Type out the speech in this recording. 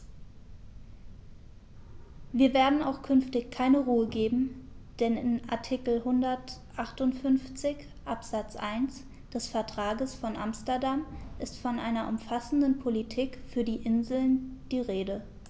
Wir werden auch künftig keine Ruhe geben, denn in Artikel 158 Absatz 1 des Vertrages von Amsterdam ist von einer umfassenden Politik für die Inseln die Rede.